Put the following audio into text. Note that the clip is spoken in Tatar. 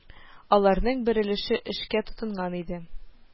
Алар-ның бер өлеше эшкә тотынган инде